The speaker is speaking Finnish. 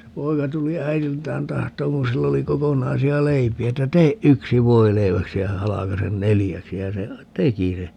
se poika tuli äidiltään tahtomaan kun sillä oli kokonaisia leipiä että tee yksi voileiväksi ja halkaise neljäksi ja se teki sen